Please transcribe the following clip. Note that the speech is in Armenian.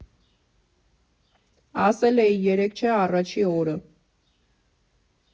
Ասել էի երեկ չէ առաջի օրը։